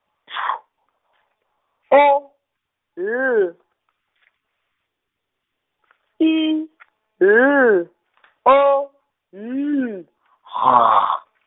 P, O, L, E , L , O, N, G.